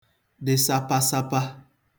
dị sāpāsāpā